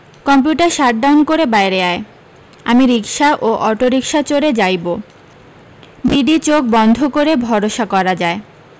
computer shutdown করে বাইরে আয় আমি রিক্সা ও অটোরিক্সা চড়ে যাইবো বিডি চোখ বন্ধ করে ভরষা করা যায়